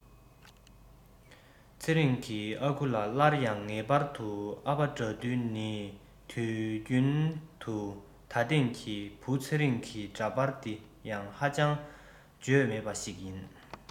ཚེ རིང གི ཨ ཁུ ལ སླར ཡང ངེས པར དུ ཨ ཕ དགྲ འདུལ ནི དུས རྒྱུན དུ ད ཐེངས ཀྱི བུ ཚེ རིང གི འདྲ པར འདི ཡང ཨ ཅང བརྗོད མེད ཞིག ཡིན